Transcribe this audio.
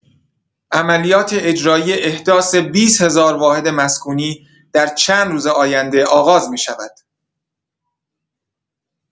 عملیات اجرایی احداث ۲۰ هزار واحد مسکونی در چند روز آینده آغاز می‌شود.